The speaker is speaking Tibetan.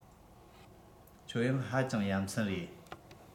ཁྱོད ཡང ཧ ཅང ཡ མཚན རེད